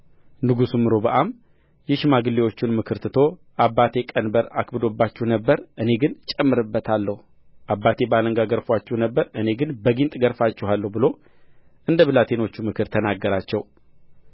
ንጉሡም ሮብዓም የሽማግሌዎቹን ምክር ትቶ አባቴ ቀንበር አክብዶባችሁ ነበር እኔ ግን እጨምርበታለሁ አባቴ በአለንጋ ገርፎአችሁ ነበር እኔ ግን በጊንጥ እገርፋችኋለሁ ብሎ እንደ ብላቴኖቹ ምክር ተናገራቸው